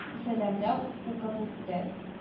Сәламләү укып үтте